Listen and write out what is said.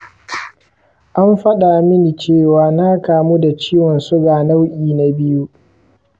an fada mini cewa na kamu da ciwon suga nau'i na biyu.